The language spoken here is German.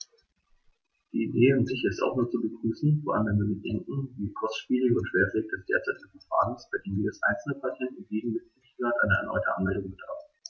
Die Idee an sich ist nur zu begrüßen, vor allem wenn wir bedenken, wie kostspielig und schwerfällig das derzeitige Verfahren ist, bei dem jedes einzelne Patent in jedem Mitgliedstaat einer erneuten Anmeldung bedarf.